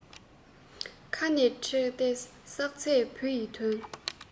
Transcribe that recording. ཁ ནས ཕྲིས ཏེ བསགས ཚད བུ ཡི དོན